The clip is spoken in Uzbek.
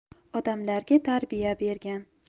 odamlarga tarbiya bergan